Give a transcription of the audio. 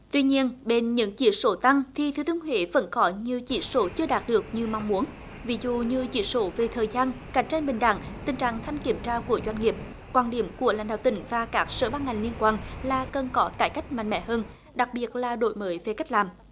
tuy nhiên bên những chỉ số tăng thì thừa thiên huế vẫn có nhiều chỉ số chưa đạt được như mong muốn ví dụ như chỉ số về thời gian cạnh tranh bình đẳng tình trạng thanh kiểm tra của doanh nghiệp quan điểm của lãnh đạo tỉnh và các sở ban ngành liên quan là cần có cải cách mạnh mẽ hơn đặc biệt là đổi mới về cách làm